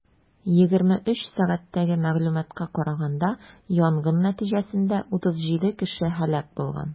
23:00 сәгатьтәге мәгълүматка караганда, янгын нәтиҗәсендә 37 кеше һәлак булган.